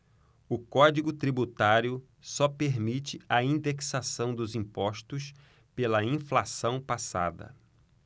o código tributário só permite a indexação dos impostos pela inflação passada